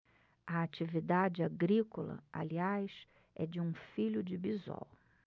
a atividade agrícola aliás é de um filho de bisol